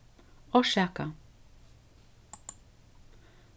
orsaka